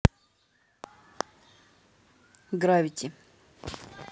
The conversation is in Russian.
gravity